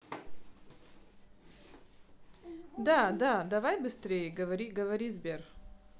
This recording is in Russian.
да да давай быстрей говори говори сбер